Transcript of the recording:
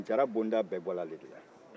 dɔnki jaara bonda bɛɛ bɔra ale de la